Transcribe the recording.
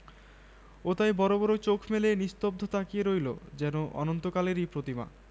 ও তাই বড় বড় চোখ মেলে নিস্তব্ধ দাঁড়িয়ে রইল যেন অনন্তকালেরই প্রতিমা